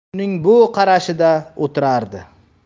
uning bu qarashida o'tirardi